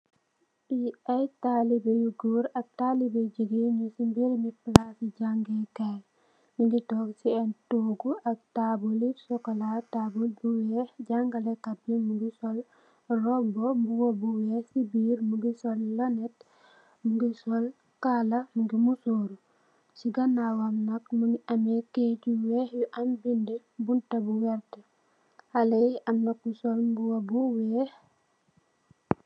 Fee aye talibeh yu goor ak talibeh yu jegain nuge se meremu plase jagekay nuge tonke se aye toogu ak taabule sukola taabul bu weex jagalekate be nuge sol roubu muba bu weex se birr muge sol lunet muge sol kala mu musuru se ganawam nak muge ameh keyete yu weex yu am bede bunta bu werte haleh yee amna ku sol muba bu weex.